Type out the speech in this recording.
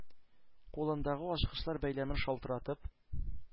Кулындагы ачкычлар бәйләмен шалтыратып,